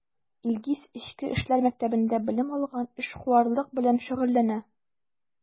Илгиз Эчке эшләр мәктәбендә белем алган, эшкуарлык белән шөгыльләнә.